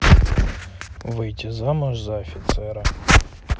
выйти замуж за офицера